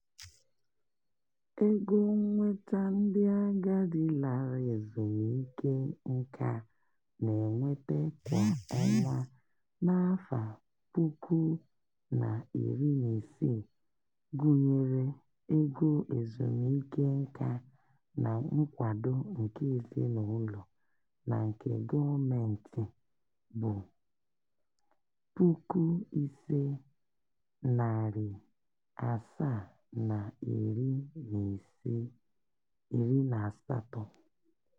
Ego nnweta ndị agadi lara ezumike nka na-enweta kwa ọnwa n'afọ 2016—gụnyere ego ezumike nka na nkwado nke ezinụlọ na nke gọọmentị—bụ HK$5,780 (US$720).